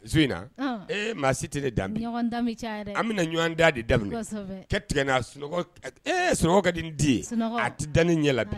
So in na ee maa si tɛ da an bɛna ɲɔgɔn da de daminɛ ka tigɛ n' sun sunɔgɔ ka di di ye a tɛ dan ni ɲɛ